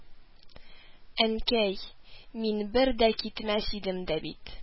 – әнкәй, мин бер дә китмәс идем дә бит